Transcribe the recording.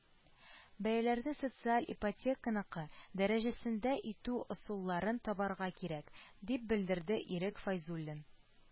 “бәяләрне социаль ипотеканыкы дәрәҗәсендә итү ысулларын табарга кирәк”, - дип белдерде ирек фәйзуллин